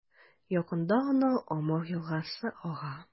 Якында гына Амур елгасы ага.